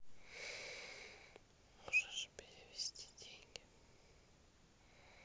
можешь перевести деньги